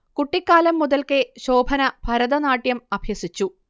കുട്ടിക്കാലം മുതൽക്കേ ശോഭന ഭരതനാട്യം അഭ്യസിച്ചു